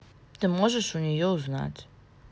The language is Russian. ты можешь у нее узнать